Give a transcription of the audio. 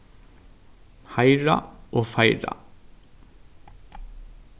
heiðra og feira